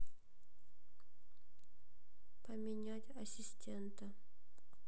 поменять ассистента